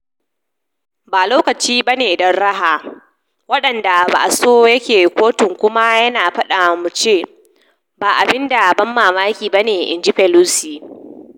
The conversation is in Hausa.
"Ba lokaci ba ne don raha, wanda ba'a so ya je kotun kuma yana fata mu ce, 'ba abin ban mamaki ba ne,' in ji Pelos.